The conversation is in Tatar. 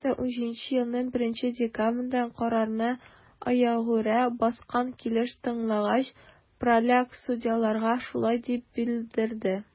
2017 елның 1 декабрендә, карарны аягүрә баскан килеш тыңлагач, праляк судьяларга шулай дип белдерде: